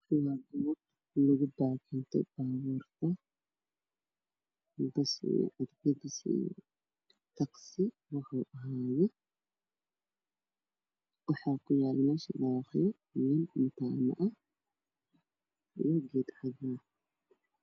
Waxaa ii muuqda suuq a joogo gaarayaal fara badan waxaa kaloo ii muuqda dabaqyaal farabadan midabkooda yihiin ciid